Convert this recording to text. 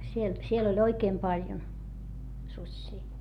siellä siellä oli oikein paljon susia